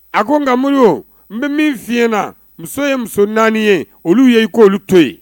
A ko nkamuru n bɛ min fiy na muso ye muso naani ye olu ye i ko oluolu to ye